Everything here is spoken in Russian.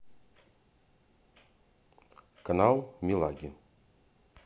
канал милаги